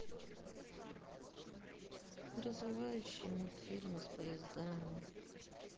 развивающие мультфильмы с поездами